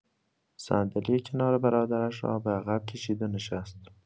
صندلی کنار برادرش را به‌عقب کشید و نشست.